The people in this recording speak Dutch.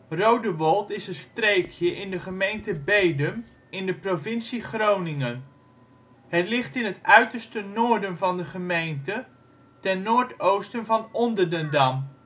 Rodewolt is een streekje in de gemeente Bedum in de provincie Groningen. Het ligt in het uiterste noorden van de gemeente, ten noord-oosten van Onderdendam